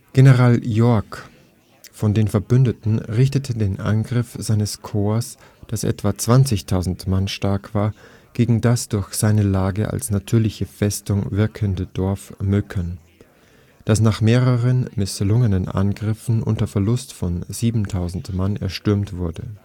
General Yorck von den Verbündeten richtete den Angriff seines Korps, das etwa 20.000 Mann stark war, gegen das durch seine Lage als natürliche Festung wirkende Dorf Möckern, das nach mehreren misslungenen Angriffen unter Verlust von 7.000 Mann erstürmt wurde